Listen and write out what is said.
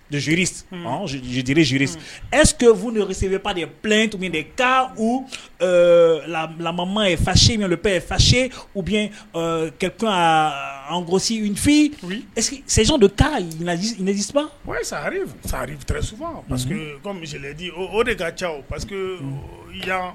Zoiririziris esuryefu senba de bilalen tun de k' u labilamama ye fasi min bɛ ye fasi u bɛ ka an gosisifin ɛy dɔ taajisiri sari parce que midi o de taa ca o parce que yan